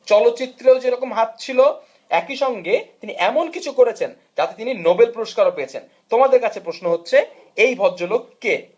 চলচ্চিত্র যেমন হাত ছিল একই সঙ্গে তিনি এমন কিছু করেছেন যাতে তিনি নোবেল পুরস্কার পেয়েছেন তোমাদের কাছে প্রশ্ন হচ্ছে এই ভদ্রলোক কে